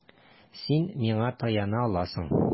Син миңа таяна аласың.